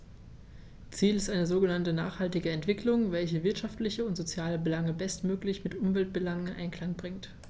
Ziel ist eine sogenannte nachhaltige Entwicklung, welche wirtschaftliche und soziale Belange bestmöglich mit Umweltbelangen in Einklang bringt.